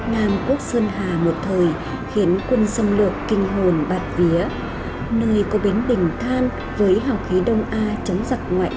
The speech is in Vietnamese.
nam quốc sơn hà một thời khiến quân xâm lược kinh hồn bạt vía nơi có bến bình than với hào khí đông a chống giặc ngoại xâm